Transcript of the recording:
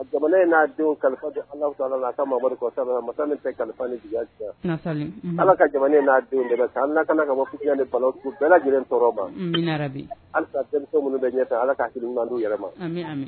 Jamanaa kalifa ala ala kamadu sabanan masa kalifa ni ala ka jamanaa kana ka bɛɛ lajɛlen minnu bɛ ɲɛ ala yɛlɛma